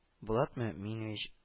Улат мөэминович